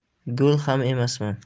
go'l ham emasman